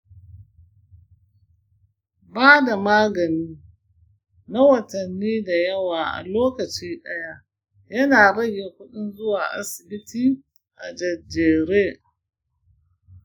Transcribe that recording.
bada magani na watanni dayawa a lokaci ɗaya yana rage kuɗin zuwa asibi a jejjere.